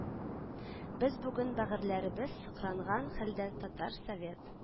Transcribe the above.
Без бүген, бәгырьләребез сыкранган хәлдә, татар совет